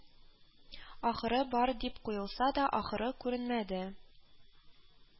Ахыры бар дип куелса да, ахыры күренмәде